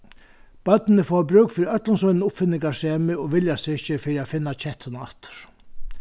børnini fáa brúk fyri øllum sínum uppfinningarsemi og viljastyrki fyri at finna kettuna aftur